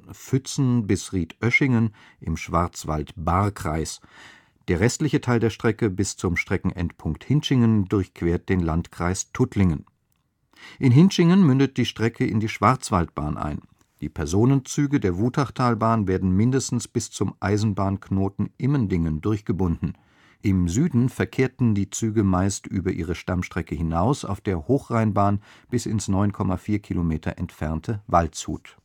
von Fützen bis Riedöschingen – im Schwarzwald-Baar-Kreis; der restliche Teil der Strecke bis zum Streckenendpunkt Hintschingen durchquert den Landkreis Tuttlingen. In Hintschingen mündet die Strecke in die Schwarzwaldbahn ein. Die Personenzüge der Wutachtalbahn werden mindestens bis zum Eisenbahnknoten Immendingen durchgebunden. Im Süden verkehrten die Züge meist über ihre Stammstrecke hinaus auf der Hochrheinbahn bis ins 9,4 Kilometer entfernte Waldshut